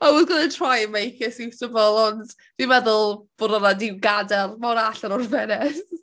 I was gonna to try and make it suitable ond fi'n meddwl bod hwnna 'di gadael. Ma' hwnna allan o'r ffenest.